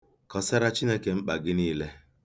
Kosara Chineke mkpa gị niile